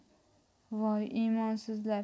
voy imonsizlar